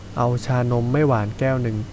เอาชานมไม่หวานแก้วนึง